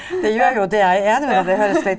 det gjør jo det, jeg er enig med at det høres litt.